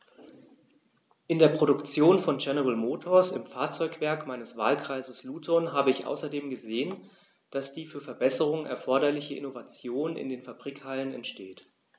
In der Produktion von General Motors, im Fahrzeugwerk meines Wahlkreises Luton, habe ich außerdem gesehen, dass die für Verbesserungen erforderliche Innovation in den Fabrikhallen entsteht.